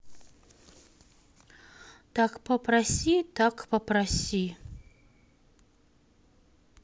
так попроси так попроси